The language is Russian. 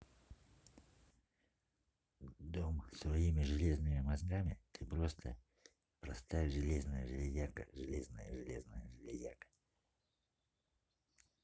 дом своими железными мозгами ты просто простая железная железяка железной железная железяка